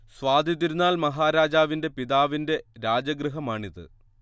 സ്വാതി തിരുനാൾ മഹാരാജാവിന്റെ പിതാവിന്റെ രാജഗൃഹമാണിത്